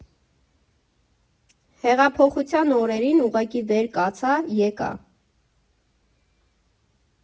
Հեղափոխության օրերին ուղղակի վեր կացա, եկա։